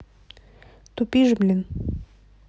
тупишь блин